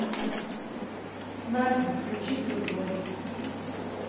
ладно включи другое